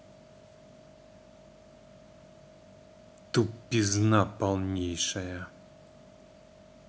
тупизна полнейшая